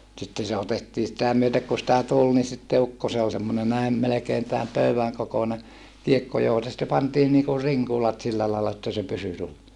sitten se otettiin sitä myöten kuin sitä tuli niin sitten ukko se oli semmoinen näin melkein tämän pöydän kokoinen kiekko johon sitten pantiin niin kuin rinkulat sillä lailla että se pysyi